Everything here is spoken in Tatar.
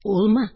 Улмы?